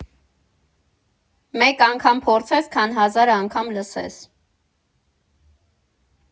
Մեկ անգամ փորձես, քան հազար անգամ լսես։